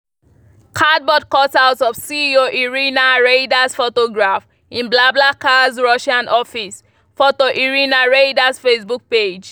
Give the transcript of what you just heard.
Cardboard cutout of CEO Irina Reyder's photograph in BlaBlaCar's Russian office. Photo Irina Reyder's Facebook page